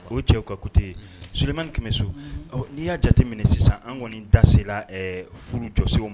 O cɛw ka kote sourdimani kɛmɛ bɛ so ɔ n'i y'a jate minɛ sisan an kɔni dase furu jɔsow ma